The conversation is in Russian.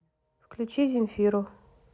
включи земфиру